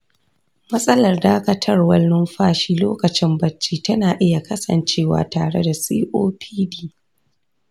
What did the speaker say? matsalar dakatawar numfashi lokacin barci tana iya kasancewa tare da copd.